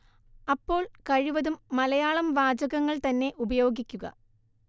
അപ്പോൾ കഴിവതും മലയാളം വാചകങ്ങൾ തന്നെ ഉപയോഗിക്കുക